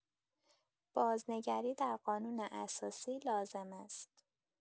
بازنگری در قانون اساسی لازم است!